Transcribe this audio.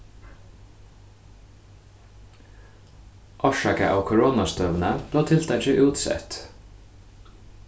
orsakað av koronastøðuni bleiv tiltakið útsett